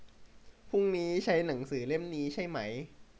พรุ่งนี้ใช้หนังสือเล่มนี้ใช่ไหม